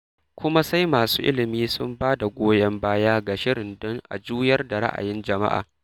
Kuma sai masu ilimi sun ba da goyon baya ga shirin don a juyar da ra'ayin jama'a.